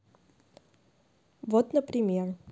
вот например